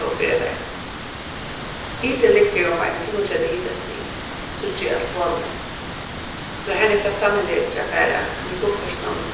tó fyrradagin hitin liggur um eini fimmogtretivu hitastig síggi eg á telefonini so har nyttar sanniliga ikki at fara við kuffertinum